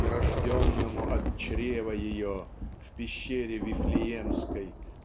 и Рожденному от чрева Ее в пещере Вифлеемской